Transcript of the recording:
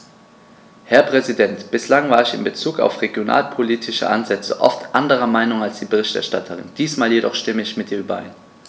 Herr Präsident, bislang war ich in Bezug auf regionalpolitische Ansätze oft anderer Meinung als die Berichterstatterin, diesmal jedoch stimme ich mit ihr überein.